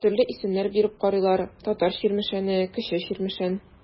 Төрле исемнәр биреп карыйлар: Татар Чирмешәне, Кече Чирмешән.